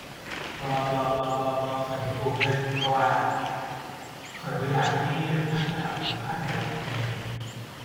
บ่บ่บ่บ่บ่ ข้อยบ่กู้เงิน เพราะว่าข้อยบ่อยากมีพันธะผูกพันกับอิหยัง